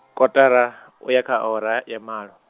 kotara uya kha awara ya malo.